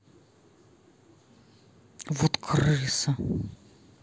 вот крыса